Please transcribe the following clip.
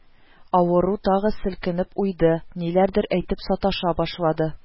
Авыру тагы селкенеп уйды, ниләрдер әйтеп саташа башлады